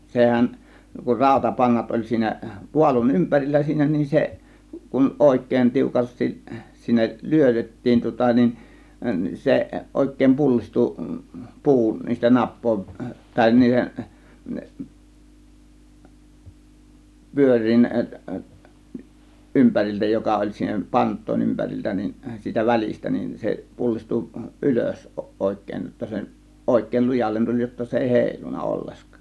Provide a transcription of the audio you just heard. sehän kun rautapannat oli siinä paalun ympärillä siinä niin se kun oikein tiukasti sinne lyötettiin tuota niin se oikein pullistui puu niistä napojen väli niiden pyörien ympäriltä joka oli siinä pantojen ympäriltä niin siitä välistä niin se pullistui ylös oikein jotta se oikein lujalle tuli jotta se ei heilunut ollenkaan